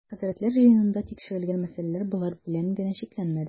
Хәзрәтләр җыенында тикшерел-гән мәсьәләләр болар белән генә чикләнмәде.